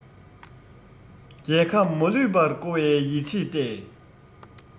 རྒྱལ ཁམས མ ལུས པར བསྐོར བའི ཡིད ཆེས བརྟས